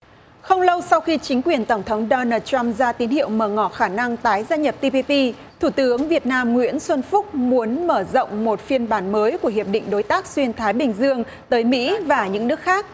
không lâu sau khi chính quyền tổng thống đo nồ trăm ra tín hiệu mở ngỏ khả năng tái gia nhập ti pi pi thủ tướng việt nam nguyễn xuân phúc muốn mở rộng một phiên bản mới của hiệp định đối tác xuyên thái bình dương tới mỹ và những nước khác